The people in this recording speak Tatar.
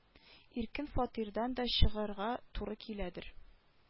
Иркен фатирдан да чыгарга туры киләдер